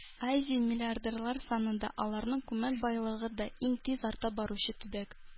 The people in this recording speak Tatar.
Азия – миллиардерлар саны да, аларның күмәк байлыгы да иң тиз арта баручы төбәк.